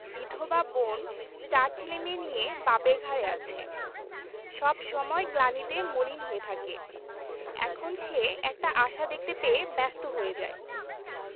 বিধবা বোন চার ছেলেমেয়ে নিয়ে বাপের ঘাড়ে আছে সব সময় গ্লানিতে মলিন হয়ে থাকে এখন সে একটা আশা দেখতে পেয়ে ব্যস্ত হয়ে যায়